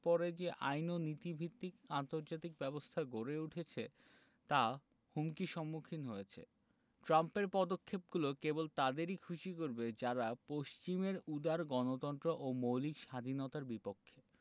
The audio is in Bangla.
পরে যে আইন ও নীতিভিত্তিক আন্তর্জাতিক ব্যবস্থা গড়ে উঠেছে তা হুমকির সম্মুখীন হয়েছে ট্রাম্পের পদক্ষেপগুলো কেবল তাদেরই খুশি করবে যারা পশ্চিমের উদার গণতন্ত্র ও মৌলিক স্বাধীনতার বিপক্ষে